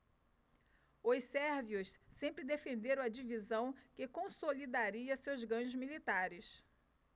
os sérvios sempre defenderam a divisão que consolidaria seus ganhos militares